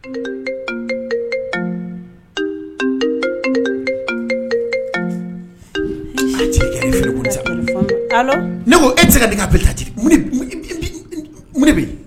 Tigi kelen ne e tɛ ka la